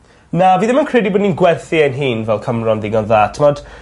Na fi ddim yn credu bod ni'n gwerthu ein hun fel Cymro yn ddigon dda t'mod?